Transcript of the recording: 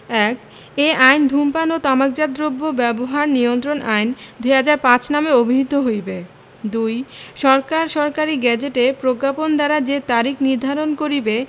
১ এই অঅইন ধূমপান ও তামাকজাত দ্রব্য ব্যবহার নিয়ন্ত্রণ আইন ২০০৫ নামে অভিহিত হইবে ২ সরকার সরকারী গেজেটে প্রজ্ঞাপন দ্বারা যে তারিখ নির্ধারণ করিবে